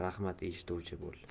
rahmat eshituvchi bo'l